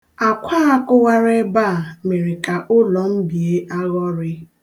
Akwa a kụwara ebe a mere ka ụlọ m bie aghọrị.